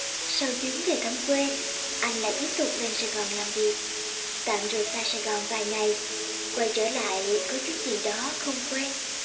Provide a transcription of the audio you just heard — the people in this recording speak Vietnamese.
sau chuyến về thăm quê anh lại tiếp tục lên sài gòn làm việc tạm rời xa sài gòn vài ngày quay trở lại có chút gì đó không quen